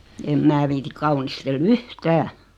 en minä viitsi kaunistella yhtään